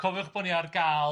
cofiwch bod ni ar gael,